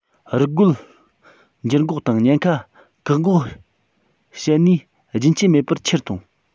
རུལ རྒོལ འགྱུར འགོག དང ཉེན ཁ བཀག འགོག བྱེད ནུས རྒྱུན ཆད མེད པར ཆེར གཏོང